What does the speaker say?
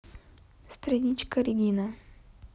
страничка регина